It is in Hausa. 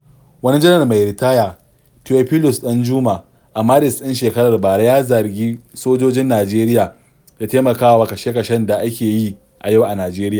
Wani janar mai ritaya, Theophilus ɗanjuma, a Maris ɗin shekarar bara ya zargi "sojojin Najeriya da taimakawa kashe-kashen da ake yi a yau a Najeriya".